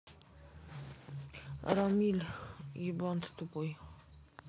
рамиль еблан ты тупой